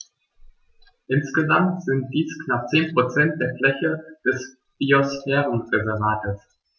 Insgesamt sind dies knapp 10 % der Fläche des Biosphärenreservates.